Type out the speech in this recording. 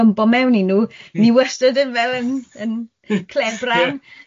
bympo mewn i nhw, ni wastad yn fel yn yn clebran... Ie.